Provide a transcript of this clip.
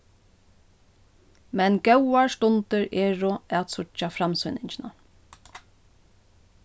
men góðar stundir eru at síggja framsýningina